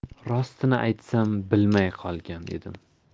rostini aytsam bilmay qolgan edim